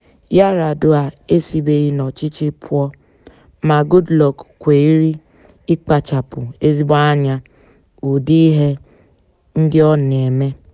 Yar'adua esibeghị n'ọchịchị pụọ ma Goodluck kweiri ịkpachapụ ezigbo anya ụdị ihe ndị ọ na-eme.